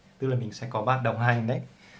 tức là mình sẽ có bạn đồng hành